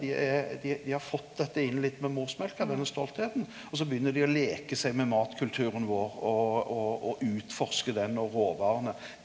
dei er dei dei har fått dette inn litt med morsmjølka det med stoltheita og så begynner dei å leike seg med matkulturen vår og og og utforske den og råvarene.